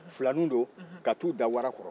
filaninw don ka taa o da wara kɔrɔ